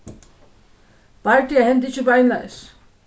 bardagar henda ikki beinleiðis